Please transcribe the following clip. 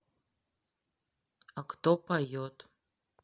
а кто поет